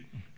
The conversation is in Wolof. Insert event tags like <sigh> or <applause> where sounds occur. <hesitation> <hesitation>